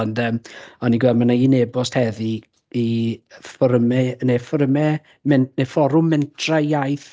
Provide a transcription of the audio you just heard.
Ond ymm o'n i'n gweld mae 'na un ebost heddi i fforymau neu fforymau men- neu fforwm mentrau iaith